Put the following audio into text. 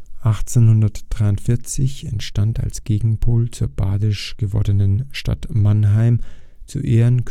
1843 entstand als Gegenpol zur badisch gewordenen Stadt Mannheim zu Ehren